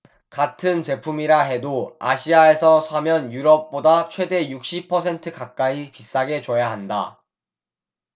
같은 제품이라 해도 아시아에서 사면 유럽보다 최대 육십 퍼센트 가까이 비싸게 줘야 한다